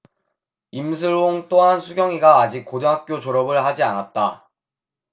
임슬옹 또한 수경이가 아직 고등학교 졸업을 하지 않았다